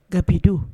Gabidon